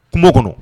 Kungo kɔnɔ